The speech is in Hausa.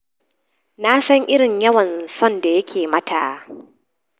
Nasan irin yawan son da yake mata.”